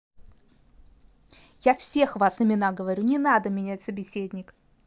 я всех вас имена говорю не надо менять соседник